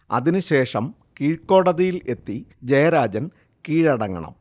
അതിന് ശേഷം കീഴ്കോടതിയിൽ എത്തി ജയരാജൻ കീഴടങ്ങണം